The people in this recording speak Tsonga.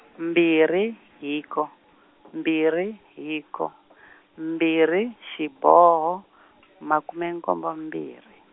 mbirhi hiko, mbirhi hiko, mbirhi xiboho, makume nkombo mbirhi.